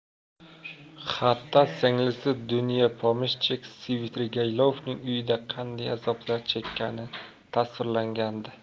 xatda singlisi dunya pomeshchik svidrigaylovning uyida qanday azoblar chekkani tasvirlangandi